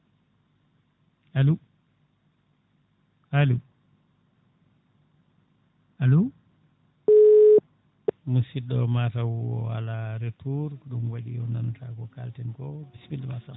allo allo allo musidɗo mataw o ala retour ɗum waɗi o nanta ko kalten ko bisimillama Samba